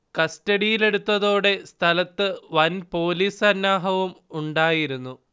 കസ്റ്റഡിയിൽ എടുത്തതോടെ സ്ഥലത്ത് വൻ പൊലീസ് സന്നാഹവും ഉണ്ടായിരുന്നു